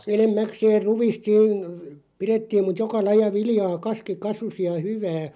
enimmäkseen ruista siinä pidettiin mutta joka lajia viljaa kaski kasvoi ja hyvää